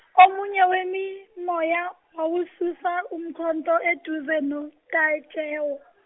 omunye wemimoya wawususa umkhonto eduze noTajewo.